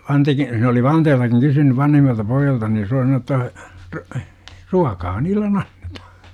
Vantekin se oli Vanteltakin kysynyt vanhimmalta pojalta niin ja se oli sanonut jotta -- ruokaa niille annetaan